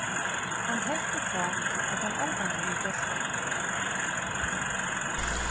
hann helt uppá at hann ongantíð hevði gjørt tað